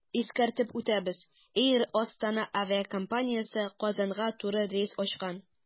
Искәртеп үтәбез, “Эйр Астана” авиакомпаниясе Казанга туры рейс ачкан.